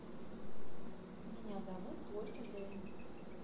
меня зовут твой хозяин